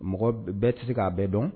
Mɔgɔ bɛɛ tɛ se k'a bɛɛ dɔn